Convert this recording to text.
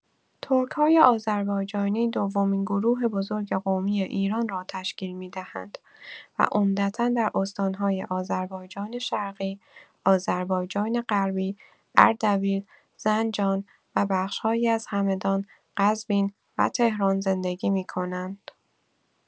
ترک‌های آذربایجانی دومین گروه بزرگ قومی ایران را تشکیل می‌دهند و عمدتا در استان‌های آذربایجان‌شرقی، آذربایجان‌غربی، اردبیل، زنجان و بخش‌هایی از همدان، قزوین و تهران زندگی می‌کنند.